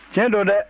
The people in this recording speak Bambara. tiɲɛ don dɛ